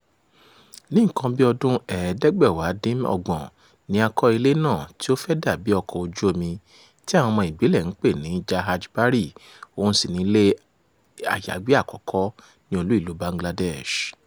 Ní nǹkan bíi ọdún-un 1870 ni a kọ́ ilé náà tí ó fẹ́ẹ́ dà bíi ọkọ̀ ojú-omi, tí àwọn ọmọ ìbílẹ̀ ń pè ní "Jahaj Bari", òun sì ni ilé àyágbé àkọ́kọ́ ni olú-ìlúu Bangladesh.